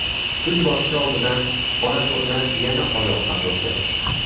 kun botishi oldidan ona turna yana oyoqqa turdi